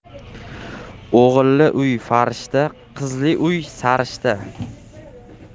o'g'illi uy farishta qizli uy sarishta